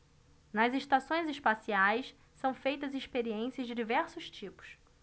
nas estações espaciais são feitas experiências de diversos tipos